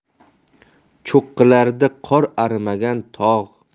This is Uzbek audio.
cho'qqilaridan qor arimagan tog'